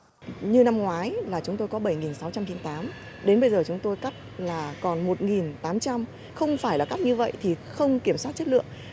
như năm ngoái là chúng tôi có bảy nghìn sáu trăm chín tám đến bây giờ chúng tôi cắt là còn một nghìn tám trăm không phải là cắt như vậy thì không kiểm soát chất lượng